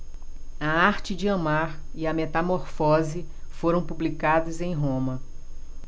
a arte de amar e a metamorfose foram publicadas em roma